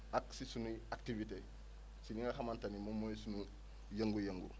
ak si suñuy activités si li nga xamante ni moom mooy suñu yëngu-yëngu